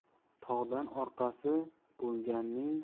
tog'dan orqasi bo'lganning